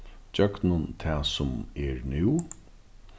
gjøgnum tað sum er nú